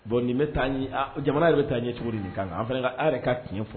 Bon nin bɛ taa jamana yɛrɛ bɛ taa ɲɛ cogo di? Ni kan kan fɛ aw yɛrɛ ka tiɲɛ fɔ